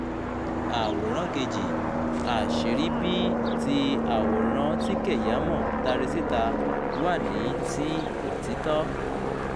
Àwòrán 2: Àṣírí bi tí àwòrán tí Keyamo tari síta wà ní ti òtítọ́.